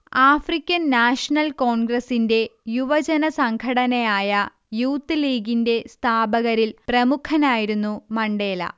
African national കോൺഗ്രസ്സിന്റെ യുവജനസംഘടനയായ youth ലീഗിന്റെ സ്ഥാപകരിൽ പ്രമുഖനായിരുന്നു മണ്ടേല